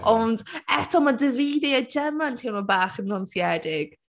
Ond eto, mae Davide a Gemma yn teimlo bach yn nonsiedig.